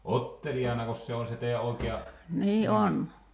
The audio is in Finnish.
Otteljaanakos se on se teidän oikea nimi